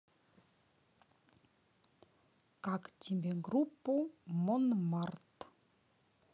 как тебе группу monmart